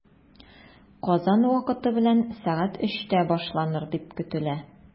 Казан вакыты белән сәгать өчтә башланыр дип көтелә.